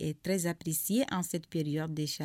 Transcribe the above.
et très apprécié en cette période de chaleur